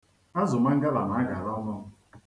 Azụ mangala na-agala ọnụ.